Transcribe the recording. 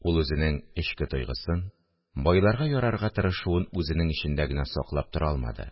Ул үзенең эчке тойгысын, байларга ярарга тырышуын үзенең эчендә генә саклап тора алмады: